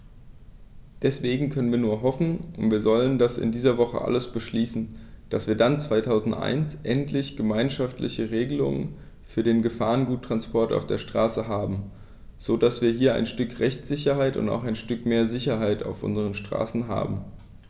Deswegen können wir nur hoffen - und wir sollten das in dieser Woche alles beschließen -, dass wir dann 2001 endlich gemeinschaftliche Regelungen für den Gefahrguttransport auf der Straße haben, so dass wir hier ein Stück Rechtssicherheit und auch ein Stück mehr Sicherheit auf unseren Straßen haben.